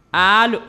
Aali